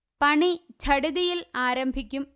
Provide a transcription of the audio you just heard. പണി ഝടിതിയിൽ ആരംഭിക്കും